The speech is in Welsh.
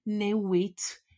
newid